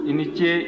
i ni ce